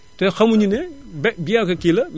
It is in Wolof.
te xamuñu ne bien bien que kii la